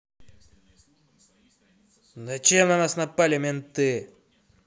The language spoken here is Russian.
зачем на нас напали менты